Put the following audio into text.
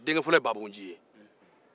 o denkɛ fɔlɔ ye baabugu nci ye